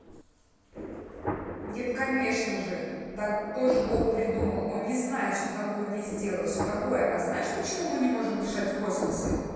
нет конечно же тоже бог придумал он не знает что такого не сделал все такое а знаешь почему мы не можем дышать в космосе